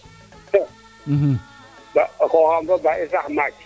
*